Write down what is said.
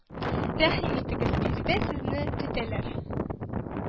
Рәхим итегез, биредә сезне көтәләр